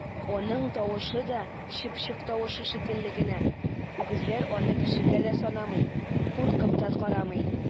Аның тавышы да чыпчык тавышы шикелле генә, үгезләр аны кешегә дә санамый, куркып та карамый!